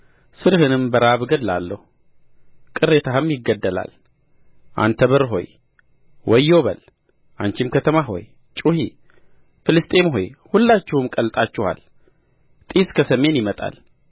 ሥርህንም በራብ እገድላለሁ ቅሬታህም ይገደላል አንተ በር ሆይ ወዮ በል አንቺም ከተማ ሆይ ጩኺ ፍልስጥኤም ሆይ ሁላችሁም ቀልጣችኋል ጢስ ከሰሜን ይመጣል